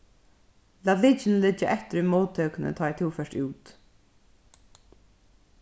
lat lykilin liggja eftir í móttøkuni tá ið tú fert út